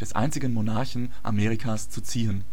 einzigen Monarchen Amerikas zu ziehen